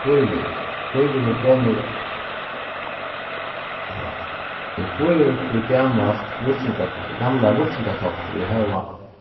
kvívík kvívík er gomul umaftur í kvívík er gamalt víkinga gamlar víkingatoftir ið hava